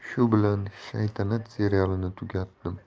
bilan 'shaytanat' serialini tugatdim